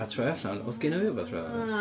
A troi allan, oedd gynna fi wbath relevant.